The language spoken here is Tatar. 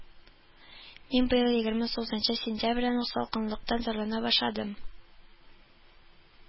Мин быел егерме сугызынчы сентябрьдән үк салкынлыктан зарлана башладым